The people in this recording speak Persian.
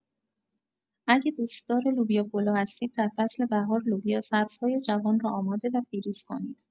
اگر دوستدار لوبیا پلو هستید در فصل بهار لوبیا سبزهای جوان را آماده و فریز کنید.